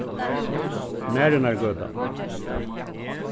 marinargøta